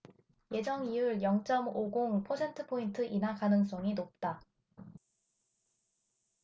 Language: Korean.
예정이율 영 쩜 오 공 퍼센트포인트 인하 가능성이 높다